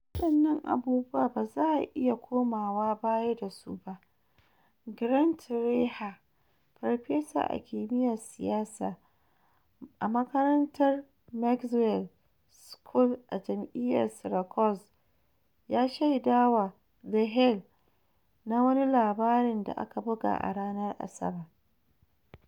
Waɗannan abubuwa ba za a iya komawa baya da su ba, "Grant Reeher, farfesa a kimiyyar siyasa a makarantar Maxwell School a Jami'ar Syracuse ya shaidawa The Hill na wani labarin da aka buga a ranar Asabar.